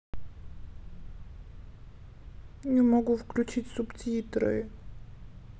не могу включить субтитры